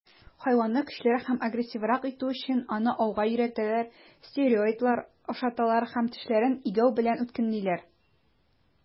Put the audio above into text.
Хайванны көчлерәк һәм агрессиврак итү өчен, аны ауга өйрәтәләр, стероидлар ашаталар һәм тешләрен игәү белән үткенлиләр.